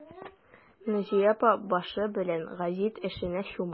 Наҗия апа башы белән гәзит эшенә чума.